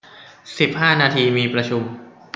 สิบห้านาทีมีประชุม